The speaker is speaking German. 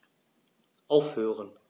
Aufhören.